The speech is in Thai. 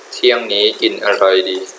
เที่ยงนี้กินอะไรดี